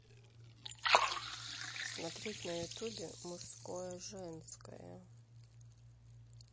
смотреть на ютубе мужское женское